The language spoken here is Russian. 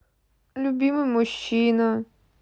любимый мужчина